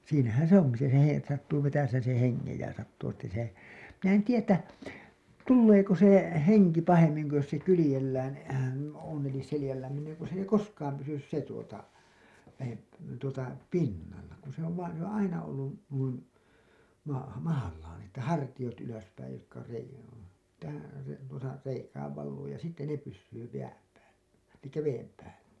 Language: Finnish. siinähän se onkin se - että sattuu vetäisemään sen hengen ja sattuu että se minä en tiedä että tuleeko se henki pahemmin kuin jos se kyljellään on eli selällään niin ei kun se ei koskaan pysy se tuota - tuota pinnalla kun se on vain se on aina ollut noin - mahallaan että hartiat ylöspäin jotka se tähän se tuossa reikään valuu ja sitten ne pysyy jään päällä eli veden päällä